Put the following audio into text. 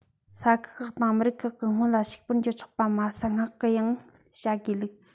ས ཁུལ ཁག ཅིག དང མི ཁག ཅིག སྔོན ལ ཕྱུག པོར གྱུར ཆོག པ མ ཟད བསྔགས སྐུལ ཡང བྱ དགོས ལུགས